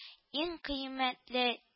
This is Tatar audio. Иң кыйммәтле